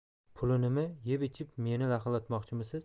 pulnimi yeb ichib meni laqillatmoqchimisiz